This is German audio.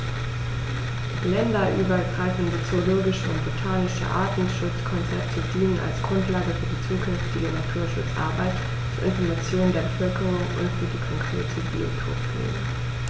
Länderübergreifende zoologische und botanische Artenschutzkonzepte dienen als Grundlage für die zukünftige Naturschutzarbeit, zur Information der Bevölkerung und für die konkrete Biotoppflege.